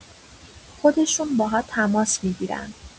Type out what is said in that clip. خودشون باهات تماس می‌گیرن